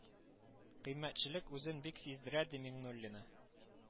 Кыйммәтчелек үзен бик сиздерә , ди Миңнуллина